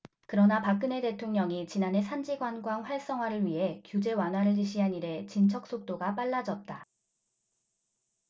그러나 박근혜 대통령이 지난해 산지관광 활성화를 위해 규제 완화를 지시한 이래 진척 속도가 빨라졌다